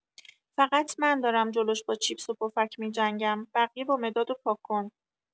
فقط من دارم جلوش با چیپس و پفک می‌جنگم، بقیه با مداد و پاکن!